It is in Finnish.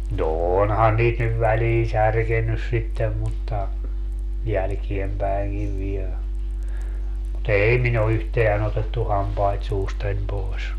no onhan niitä nyt väliin särkenyt sitten mutta jälkeenpäinkin vielä mutta ei minun ole yhtään otettu hampaita suustani pois